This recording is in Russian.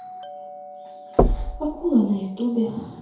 акула на ютубе